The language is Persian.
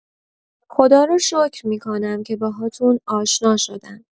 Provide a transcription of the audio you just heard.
خدا رو شکر می‌کنم که باهاتون آشنا شدم